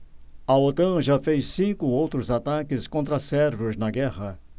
a otan já fez cinco outros ataques contra sérvios na guerra